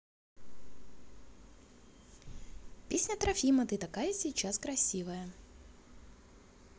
песня трофима ты такая сейчас красивая